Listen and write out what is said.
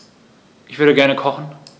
Ich würde gerne kochen.